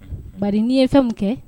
Bari n'i ye fɛn min kɛ